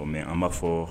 Mɛ an'a fɔ